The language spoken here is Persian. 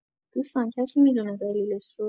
دوستان کسی می‌دونه دلیلش رو؟